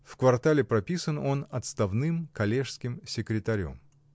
В квартале прописан он отставным коллежским секретарем.